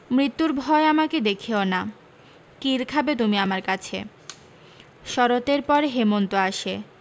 মৃত্যুর ভয় আমাকে দেখিও না কিল খাবে তুমি আমার কাছে শরতের পরে হেমন্ত আসে